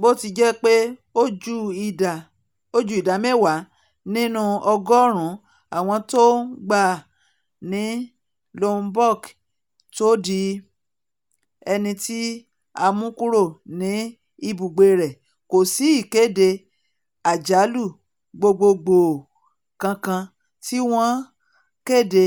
Bó tilè jẹ pé ó ju ìdá mẹ́wàá nínú ọgọ́ọ̀rún àwọn tó ń gbé ní Lombok tó di ẹni tí a mú kúrò ní ibùgbe rẹ̀, kòsì ìkéde àjálù gbogbogbòò kankan tí wọ́n kéde,